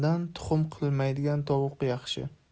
qilmaydigan tovuq yaxshi